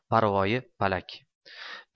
parvoyi palak